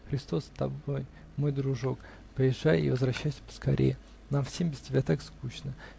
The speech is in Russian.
Христос с тобой, мой дружок, поезжай и возвращайся поскорее. Нам всем без тебя так скучно!